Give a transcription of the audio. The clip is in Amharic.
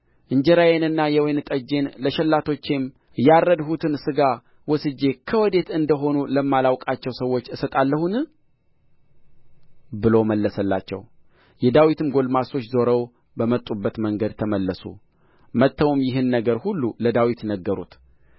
እንጀራዬንና የወይን ጠጄን ለሸላቾቼም ያረድሁትን ሥጋ ወስጄ ከወዴት እንደ ሆኑ ለማላውቃቸው ሰዎች እሰጣለሁን ብሎ መለሰላቸው የዳዊትም ጕልማሶች ዞረው በመጡበት መንገድ ተመለሱ መጥተውም ይህን ነገር ሁሉ ለዳዊት ነገሩት